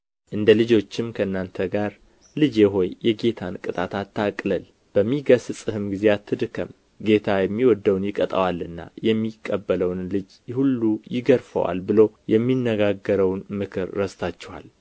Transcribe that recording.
እንደ ልጆችም ከእናንተ ጋር ልጄ ሆይ የጌታን ቅጣት አታቅልል በሚገሥጽህም ጊዜ አትድከም ጌታ የሚወደውን ይቀጣዋልና የሚቀበለውንም ልጅ ሁሉ ይገርፈዋል ብሎ የሚነጋገረውን ምክር ረስታችኋል